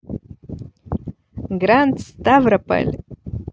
grand ставрополь